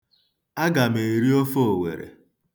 Aga m eri ofe owere.